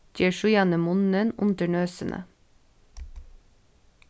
ger síðani munnin undir nøsini